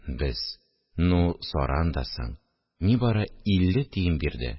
Без: «Ну саран да соң, нибары илле тиен бирде!